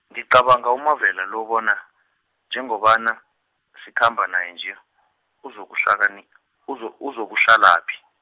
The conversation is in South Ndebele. ngiqabanga uMavela lo bona, njengobana, sikhamba naye nje, uzokuhlakani-, uzo- uzo- uzokuhlalaphi.